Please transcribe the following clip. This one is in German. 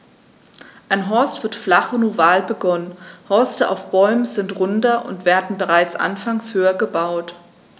Ein Horst wird flach und oval begonnen, Horste auf Bäumen sind runder und werden bereits anfangs höher gebaut.